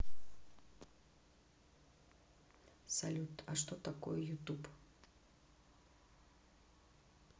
салют а что такое youtube